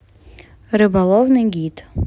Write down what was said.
рыболовный гид